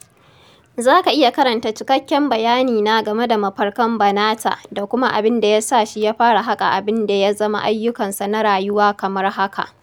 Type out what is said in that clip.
Za ka iya karanta cikakken bayanina game da mafarkan Banatah da kuma abin da ya sa shi ya fara haƙa abin da ya zama ayyukansa na rayuwa kamar haka: